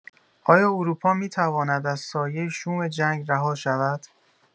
آیا اروپا می‌تواند از سایه شوم جنگ رها شود؟